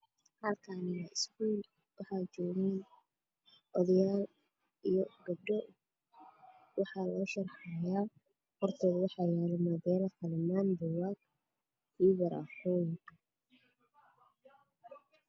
Halkaan waa iskuul waxaa joogo odayaal iyo gabdho wax ayaa loo sharxaa hortooda waxaa yaalo muubeelo, qalimaan iyo buugaag.